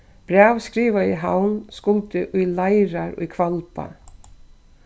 bræv skrivað í havn skuldi í leirar í hvalba